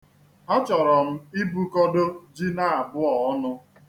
Achọrọ m ibukọdo ji naabọ a ọnụ.